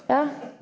ja.